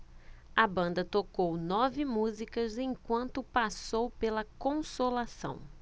a banda tocou nove músicas enquanto passou pela consolação